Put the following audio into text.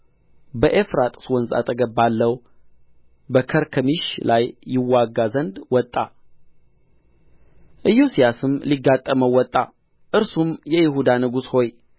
በኤፍራጥስ ወንዝ አጠገብ ባለው በከርከሚሽ ላይ ይዋጋ ዘንድ ወጣ ኢዮስያስም ሊጋጠመው ወጣ እርሱም የይሁዳ ንጉሥ ሆይ